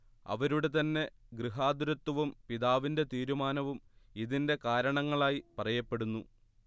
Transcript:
അവരുടെ തന്നെ ഗൃഹാതുരത്വവും പിതാവിന്റെ തീരുമാനവും ഇതിന്റെ കാരണങ്ങളായി പറയപ്പെടുന്നു